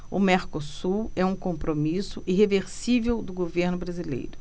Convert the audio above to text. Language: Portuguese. o mercosul é um compromisso irreversível do governo brasileiro